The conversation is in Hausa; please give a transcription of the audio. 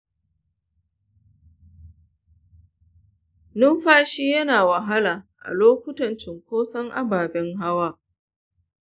numfashi yana wahala a lokutan cunkoson ababen hawa.